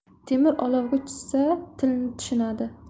temir olovga tushsa tilni tushunadi